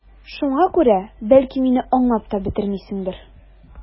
Шуңа күрә, бәлки, мине аңлап та бетермисеңдер...